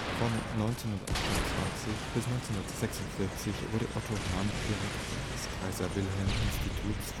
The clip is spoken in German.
Von 1928 bis 1946 war Otto Hahn Direktor des Kaiser-Wilhelm-Instituts